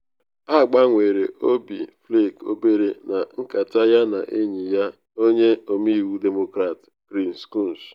Agbanwere obi Flake obere na nkata ya na enyi ya, Onye Ọmeiwu Demokrat Chris Coons.